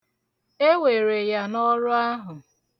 E were ya n'ọrụ ahụ.